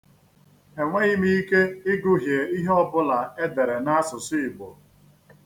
E nweghị m ike ịgụhie ihe ọbụla e dere n'asụsụ Igbo.